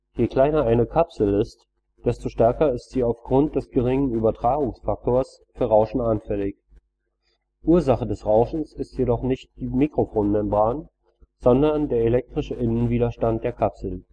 Je kleiner eine Kapsel ist, desto stärker ist sie aufgrund des geringen Übertragungsfaktors für Rauschen anfällig. Ursache des Rauschens ist jedoch nicht die Mikrofonmembran, sondern der elektrische Innenwiderstand der Kapsel